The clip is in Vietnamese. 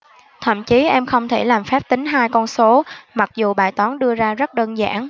thậm chí em không thể làm phép tính hai con số mặc dù bài toán đưa ra rất đơn giản